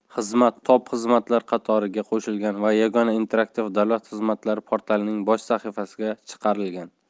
xizmat top xizmatlar qatoriga qo'shilgan va yagona interaktiv davlat xizmatlari portalining bosh sahifasiga chiqarilgan